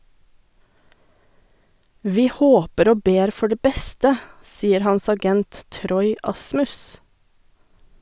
- Vi håper og ber for det beste, sier hans agent Troy Asmus.